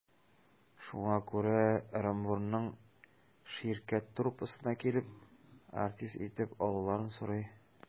Шуңа күрә Ырынбурның «Ширкәт» труппасына килеп, артист итеп алуларын сорый.